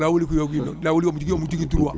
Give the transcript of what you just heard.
laawol wi ko wi noon laawol wi omo jogui omo jogui droit